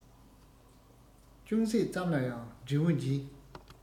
ཅུང ཟད ཙམ ལའང འབྲས བུ འབྱིན